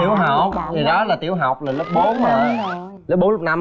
tiểu học ngày đó là tiểu học là lớp bốn mà lớp bốn lớp năm